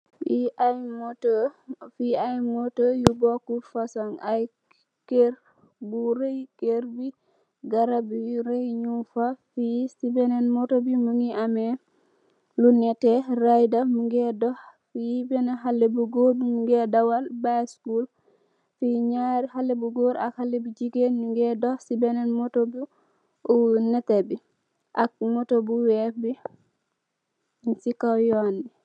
Li aye motor yu bokut fusum ak keur bunti keur bi garap bu reye nyung fa si benen motor bi mungi ame lu neteh rider munge duh fi benah haleh bu goor munge dawal bicycle fi nyarri haleh bu goor ak bu jigeen nyunge duh si benen motor bu neteh bi ak motor bu wekh bi mung si kaw